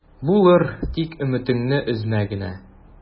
Булыр, тик өметеңне өзмә генә...